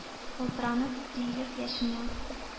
Калтыранып, төелеп яшенә,